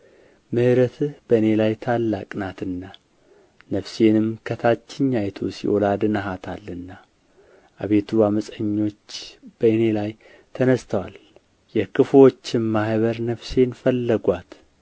ምሕረትህ በእኔ ላይ ታላቅ ናትና ነፍሴንም ከታችኛይቱ ሲኦል አድነሃታልና አቤቱ ዓመፀኞች በእኔ ላይ ተነሥተዋል የክፉዎችንም ማኅበር ነፍሴን ፈለጉአት